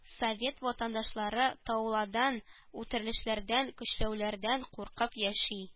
Совет ватандашлары тауладан үтерешләрдән көчләүләрдән куркып яши